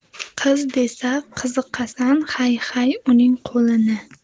qiz desa qiziqasan hay hay uning qalini